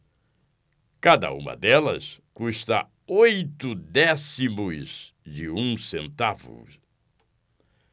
cada uma delas custa oito décimos de um centavo